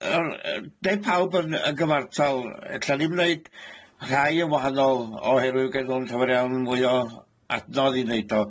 Yr yy gneu' pawb yn yn gyfatal. Ella ddim neud rhai yn wahanol oherwydd bo' gen nw'm llawer iawn mwy o adnodd i neud o.